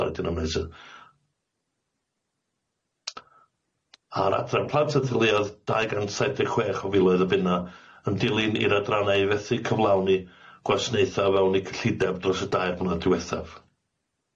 a'r adre'n plant athylia odd dau gan saith deg chwech o filoedd o bunna yn dilyn i'r adrannau i fethu cyflawn i gwasanaetha o fewn i cyllideb dros y dair mlynedd diwethaf.